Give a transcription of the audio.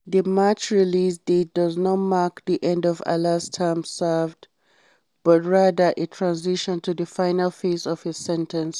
The March release date does not mark the end of Alaa's time served, but rather a transition to the final phase of his sentence.